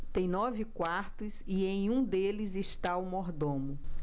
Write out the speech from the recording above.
tem nove quartos e em um deles está o mordomo